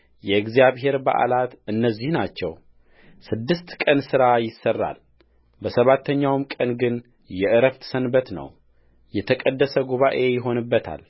የእግዚአብሔር በዓላት እነዚህ ናቸውስድስት ቀን ሥራ ይሠራል በሰባተኛው ቀን ግን የዕረፍት ሰንበት ነው የተቀደሰ ጉባኤ ይሆንበታል